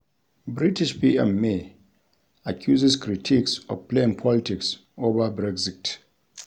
British PM May accuses critics of 'playing politics' over Brexit